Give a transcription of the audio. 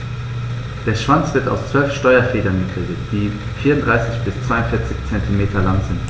Der Schwanz wird aus 12 Steuerfedern gebildet, die 34 bis 42 cm lang sind.